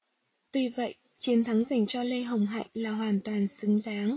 tuy vậy chiến thắng dành cho lê hồng hạnh là hoàn toàn xứng đáng